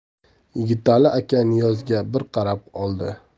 yigitali aka niyozga bir qarab oldi